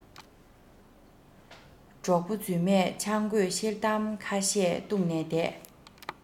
གྲོགས པོ རྫུན མས ཆང རྒོད ཤེལ དམ ཁ ཤས བཏུང ནས བསྡད